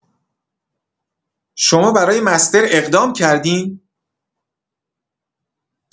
شما برای مستر اقدام کردین؟!